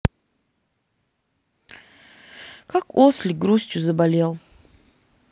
как ослик грустью заболел